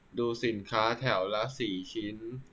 ดูสินค้าแถวละสี่ชิ้น